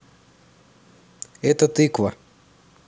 это тыква